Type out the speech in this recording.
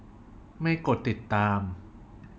ไม่กดติดตาม